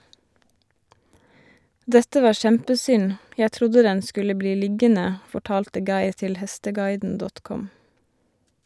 - Dette var kjempesynd, jeg trodde den skulle bli liggende, fortalte Geir til hesteguiden.com.